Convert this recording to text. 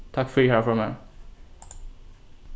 takk fyri harra formaður